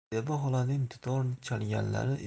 zebi xolaning dutor chalganlari